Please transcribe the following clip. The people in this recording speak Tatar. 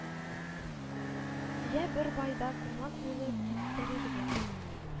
Йә бер байда кунак булып типтерергә